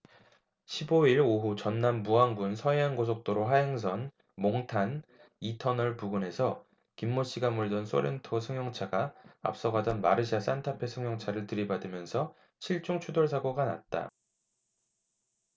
십 오 일 오후 전남 무안군 서해안고속도로 하행선 몽탄 이 터널 부근에서 김모씨가 몰던 쏘렌토 승용차가 앞서 가던 마르샤 싼타페 승용차를 들이받으면서 칠 중 추돌사고가 났다